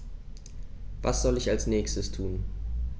Was soll ich als Nächstes tun?